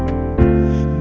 phiền